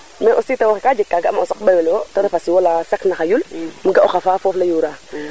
mais aussi tewo xe ka jeg ka ga a ma o saq ɓayole wo te ref a siwo la saq na xa yul um ga o xafa foof le yura manam a siwo lene comme genre xaro